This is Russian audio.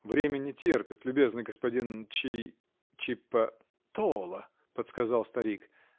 -- Время не терпит, любезный господин Чи. чиппа. -- Тола, -- подсказал старик.